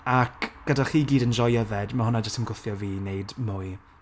Ac, gyda chi gyd yn joio fe, ma' hwnna jyst yn gwthio fi i wneud mwy.